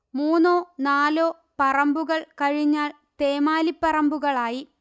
മൂന്നോ നാലോ പറമ്പുകൾ കഴിഞ്ഞാൽ തേമാലിപ്പറമ്പുകളായി